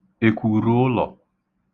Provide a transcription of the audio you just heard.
èkwùrụ̀ụlọ̀